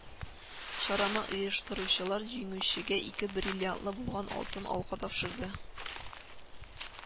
Чараны оештыручылар җиңүчегә ике бриллианты булган алтын алка тапшырды